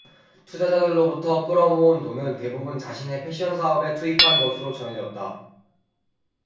투자자들로부터 끌어모은 돈은 대부분 자신의 패션사업에 투입한 것으로 전해졌다